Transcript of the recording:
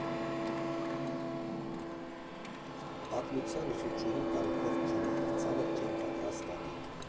Պատմության ուսուցչուհին տարիքով կին էր, ծանր կյանք ապրած տատիկ։